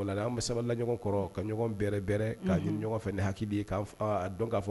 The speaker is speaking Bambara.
Saba ɲɔgɔn kɔrɔ ka ɲɔgɔn ka hakili ye dɔn'